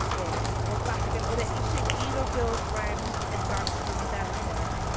lle oedd bachgen, oedd e isie gyd o'r girlfriend advantages and benefits...